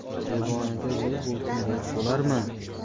devonaga yo'l bo'lsin deb bo'larmi